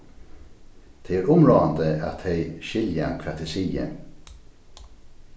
tað er umráðandi at tey skilja hvat eg sigi